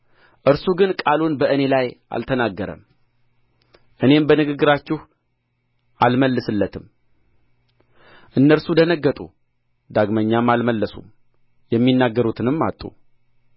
እርሱ ግን ቃሉን በእኔ ላይ አልተናገረም እኔም በንግግራችሁ አልመልስለትም እነርሱ ደነገጡ ዳግመኛም አልመለሱም የሚናገሩትንም አጡ